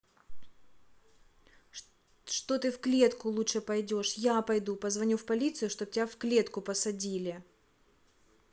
что ты в клетку лучше пойдешь я пойду позвоню в полицию чтоб тебя в клетку посадили